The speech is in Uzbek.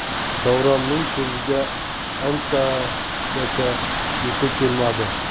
davronning ko'ziga anchagacha uyqu kelmadi